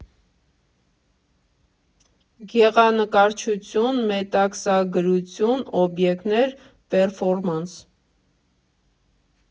Գեղանկարչություն, մետաքսագրություն, օբյեկտներ, պերֆորմանս։